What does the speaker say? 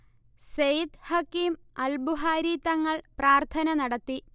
സെയ്ദ് ഹഖീം അൽ ബുഹാരി തങ്ങൾ പ്രാർത്ഥന നടത്തി